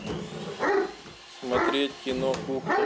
смотреть кино кухня